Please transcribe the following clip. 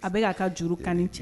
A bɛ ka ka juru kani cɛ